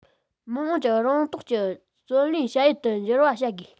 མི དམངས ཀྱི རང རྟོགས ཀྱིས བརྩོན ལེན བྱ ཡུལ དུ འགྱུར བ བྱ དགོས